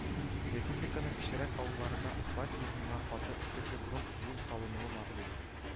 Республиканың кечерәк авылларында асфальт урынына каты өслекле грунт юл салынуы мәгълүм